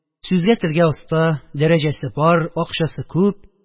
Сүзгә-телгә оста, дәрәҗәсе бар, акчасы күп